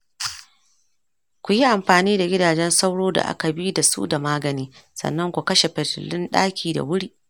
ku yi amfani da gidajen sauro da aka bi da su da magani, sannan ku kashe fitulun ɗaki da wuri.